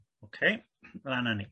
Oce 'mla'n a ni.